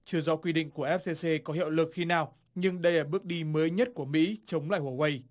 chưa rõ quy định của ép xê xê có hiệu lực khi nào nhưng đây là bước đi mới nhất của mỹ chống lại hua guây